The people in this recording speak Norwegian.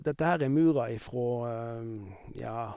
Dette her er murer ifra, nja...